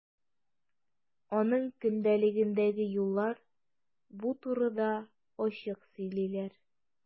Аның көндәлегендәге юллар бу турыда ачык сөйлиләр.